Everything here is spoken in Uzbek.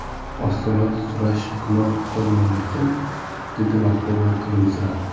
ostonada so'rashish gunoh hisoblanarkan dedi mahbuba kulimsirab